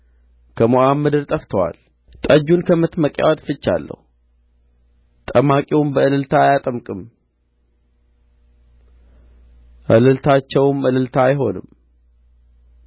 ከሞዓብ ምድር ጠፍተዋል ጠጁን ከመጥመቂያው አጥፍቻለሁ ጠማቂውም በእልልታ አይጠምቅም እልልታቸውም እልልታ አይሆንም